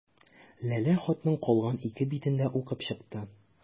Ләлә хатның калган ике битен дә укып чыкты.